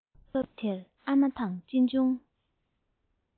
སྐབས དེར ཨ མ དང གཅེན གཅུང